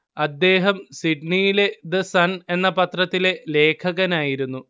അദ്ദേഹം സിഡ്നിയിലെ the Sun എന്ന പത്രത്തിലെ ലേഖകനായിരുന്നു